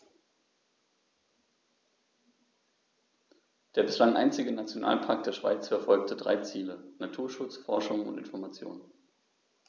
Der bislang einzige Nationalpark der Schweiz verfolgt drei Ziele: Naturschutz, Forschung und Information.